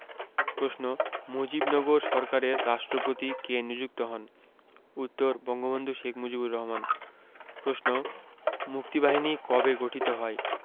প্রশ্ন মুজিবনগর সরকারের রাষ্ট্রপতি কে নিযুক্ত হন উত্তর বঙ্গবন্ধু শেখ মুজিবুর রহমান প্রশ্ন মুক্তিবাহিনী কবে গঠিত হয়